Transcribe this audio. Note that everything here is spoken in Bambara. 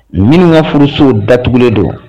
Min ka furusow datugulen don